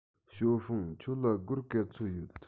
ཞའོ ཧྥང ཁྱོད ལ སྒོར ག ཚོད ཡོད